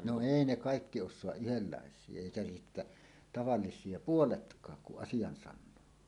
no ei ne kaikki osaa yhdenlaisia eikä sitten tavallisia puoletkaan kun asian sanoo